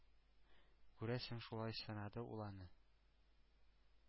Күрәсең, шулай сынады ул аны,